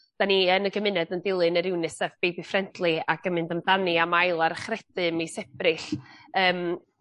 'dyn ni yn y gymuned yn dilyn yr UNICEF Baby Friendly ac y mynd amdani am ail ar achredu mis Ebrill yym